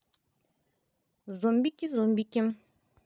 зомбики зомбики